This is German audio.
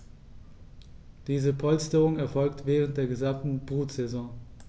Diese Polsterung erfolgt während der gesamten Brutsaison.